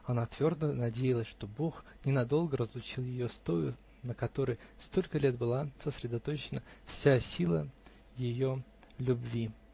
Она твердо надеялась, что Бог ненадолго разлучил ее с тою, на которой столько лет была сосредоточена вся сила ее любви.